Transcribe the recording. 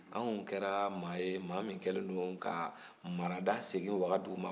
anw kɛra maa ye maa min kɛlendon ka marada segin wagadu ma